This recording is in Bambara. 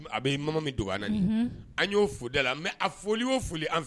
A bɛ, minnu bɛ dogo an na nin ye, unhun, an y'o fɔ da la, mais a fɔli o fɔli an bɛ